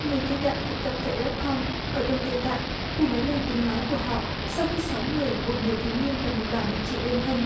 người tây tạng tụ tập tại rét khom ở đông tây tạng để nói lên tiếng nói của họ sau khi sáu người gồm nhiều thiếu niên và một bà mẹ trẻ đơn thân